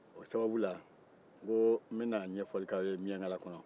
o sababu la n ko n bɛna ɲɛfɔli k'aw ye miyankala kɔnɔ